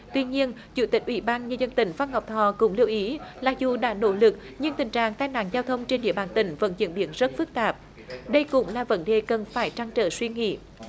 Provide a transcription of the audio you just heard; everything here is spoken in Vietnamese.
tuy nhiên chủ tịch ủy ban nhân dân tỉnh phan ngọc thọ cũng lưu ý là dù đã nỗ lực nhưng tình trạng tai nạn giao thông trên địa bàn tỉnh vẫn chuyển biến rất phức tạp đây cũng là vấn đề cần phải trăn trở suy nghĩ